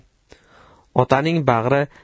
otaning bag'ri